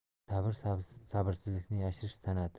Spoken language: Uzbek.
sabr sabrsizlikni yashirish san'ati